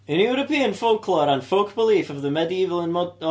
European folklore and folk belief of the medieval and mod- mod.